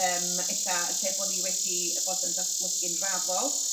Yym ella yn lle bo' ni wedi y bod yn ddatblygu'n raddol